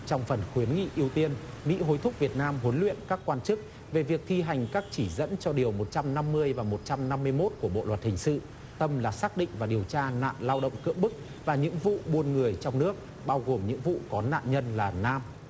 trong phần khuyến nghị ưu tiên mỹ hối thúc việt nam huấn luyện các quan chức về việc thi hành các chỉ dẫn cho điều một trăm năm mươi và một trăm năm mươi mốt của bộ luật hình sự tâm là xác định và điều tra nạn lao động cưỡng bức và những vụ buôn người trong nước bao gồm những vụ có nạn nhân là nam